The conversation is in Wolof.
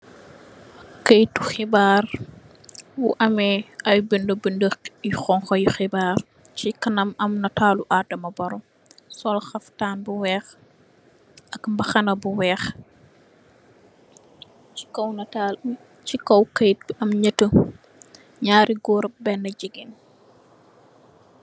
Kayeti xebar bu am ay binda binda yu xonxu ci kaname am natal lu adama barow sol xaftanu bu wex ak mbaxana bu wex ci kaw kayet bi amna njari Goor ak bena jigen